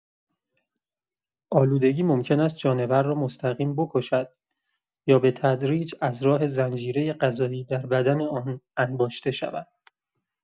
آلودگی ممکن است جانور را مستقیم بکشد یا به‌تدریج از راه زنجیره غذایی در بدن آن انباشته شود.